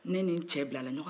ne ni n cɛ bilara ɲɔgɔn na